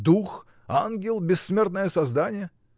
дух, ангел — бессмертное создание?